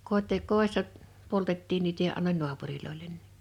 - kodissa poltettiin niitä ja annoin naapureille niin